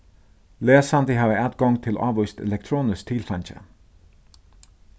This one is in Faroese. lesandi hava atgongd til ávíst elektroniskt tilfeingi